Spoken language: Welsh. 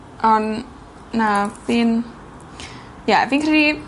On' na fi'n ie fi'n cre'u